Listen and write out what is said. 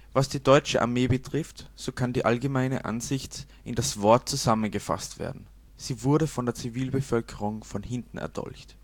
Was die deutsche Armee betrifft, so kann die allgemeine Ansicht in das Wort zusammengefasst werden: Sie wurde von der Zivilbevölkerung von hinten erdolcht